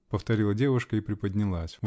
-- повторила девушка и приподнялась.